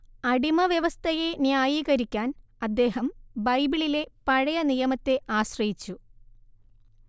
അടിമവ്യവസ്ഥയെ ന്യായീകരിക്കാൻ അദ്ദേഹം ബൈബിളിലെ പഴയനിയമത്തെ ആശ്രയിച്ചു